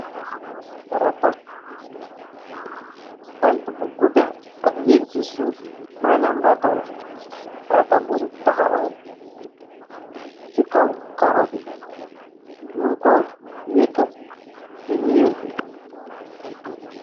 Rato, bant bu gudu ak wen̈si suf, manam ratola. Rato buñ taxawal ĉi kaw karo bi. Ñunko weuk si kow miir bi.